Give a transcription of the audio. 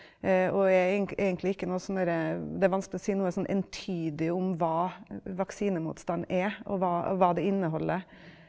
og er egentlig ikke noe sånn derre det er vanskelig å si noe sånn entydig om hva vaksinemotstand er og hva hva det inneholder.